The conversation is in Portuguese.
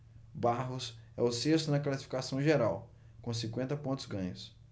barros é o sexto na classificação geral com cinquenta pontos ganhos